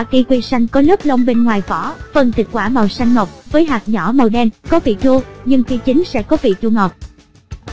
quả kiwi xanh có lớp lông bên ngoài vỏ phần thịt quả màu xanh ngọc với hạt nhỏ màu đen có vị chua nhưng khi chín sẽ có vị chua ngọt